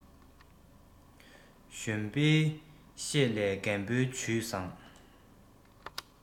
གཞོན པའི ཤེད ལས རྒན པོའི ཇུས བཟང